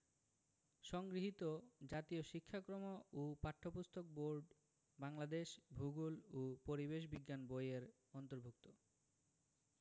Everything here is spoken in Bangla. সংগৃহীত জাতীয় শিক্ষাক্রম ও পাঠ্যপুস্তক বোর্ড বাংলাদেশ ভূগোল ও পরিবেশ বিজ্ঞান বই এর অন্তর্ভুক্ত